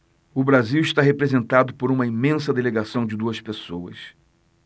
o brasil está representado por uma imensa delegação de duas pessoas